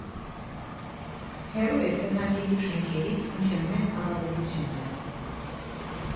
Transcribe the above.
Հեռու էր բնակելի շենքերից, ինչը մեծ առավելություն էր.